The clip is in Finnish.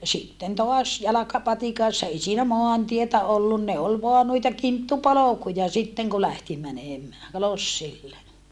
sitten taas jalkapatikassa ei siinä maantietä ollut ne oli vain noita kinttupolkuja sitten kun lähti menemään lossille